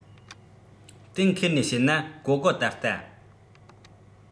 གཏན འཁེལ ནས བཤད ན ཀོའུ ཀོའུ ད ལྟ